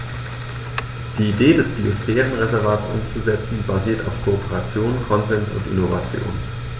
Die Idee des Biosphärenreservates umzusetzen, basiert auf Kooperation, Konsens und Innovation.